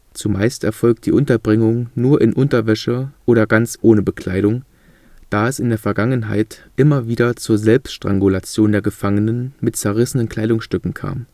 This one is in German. Zumeist erfolgt die Unterbringung nur in Unterwäsche oder ganz ohne Bekleidung, da es in der Vergangenheit immer wieder zur Selbststrangulation der Gefangenen mit zerrissenen Kleidungsstücken kam